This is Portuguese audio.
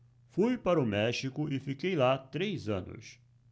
fui para o méxico e fiquei lá três anos